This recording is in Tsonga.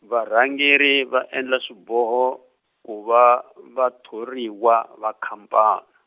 varhangeri va endla swiboho ku va vathoriwa va khamphan-.